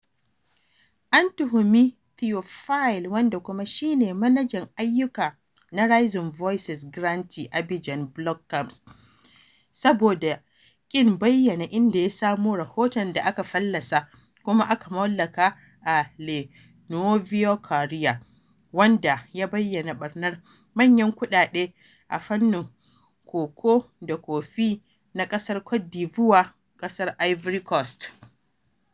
An tuhumi Théophile, wanda kuma shi ne manajan ayyuka na Rising Voices grantee Abidjan Blog Camps, saboda ƙin bayyana inda ya samo rahoton da aka fallasa kuma aka wallafa a Le Nouveau Courrier, wanda ya bayyana ɓarnar manyan kuɗaɗe a fannin cocoa da coffee na ƙasar Côte d'Ivoire (ƙasar Ivory Coast).